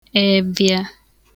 evịa